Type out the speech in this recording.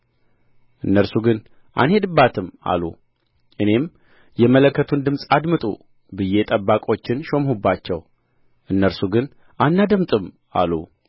እነርሱ ግን አንሄድባትም አሉ እኔም የመለከቱን ድምፅ አድምጡ ብዬ ጠባቆችን ሾምሁባችሁ እነርሱ ግን አናደምጥም አሉ